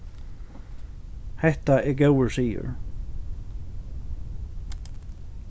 hetta er góður siður